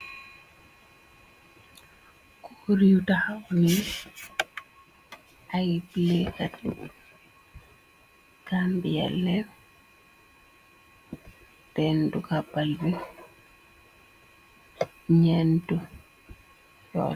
Kuryu taxaw ni , ay plekat gambie yalen , ben duga bale bi nyenti yoot.